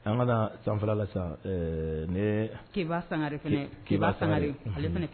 San ka sanfa la sisan kibaba sanga kiba sanga